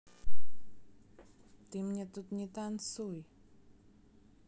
ты мне тут не танцуй